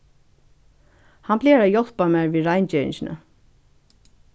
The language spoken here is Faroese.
hann plagar at hjálpa mær við reingeringini